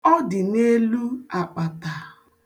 Ọ dị n'elu akpata.